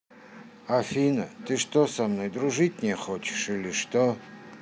афина ты что со мной дружить не хочешь или что